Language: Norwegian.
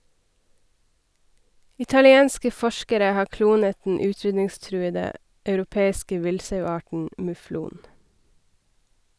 Italienske forskere har klonet den utrydningstruede europeiske villsauarten muflon.